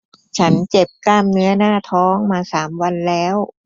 ฉันเจ็บกล้ามเนื้อหน้าท้องมาสามวันแล้ว